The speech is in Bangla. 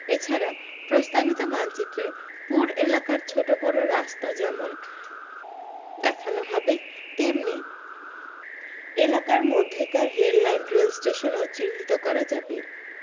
এ ছাড়া প্রস্তাবিত মানচিত্রে পুর এলাকার ছোটবড় রাস্তা যেমন দেখানো হবে তেমনি এলাকার মধ্যেকার রেলপথ রেলস্টেশনও চিহ্নিত করা যাবে